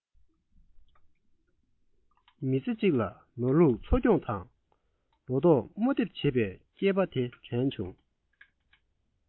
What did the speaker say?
མི ཚེ གཅིག ལ ནོར ལུག འཚོ སྐྱོང དང ལོ ཏོག རྨོ འདེབས བྱེད པའི སྐྱེས པ དེ དྲན བྱུང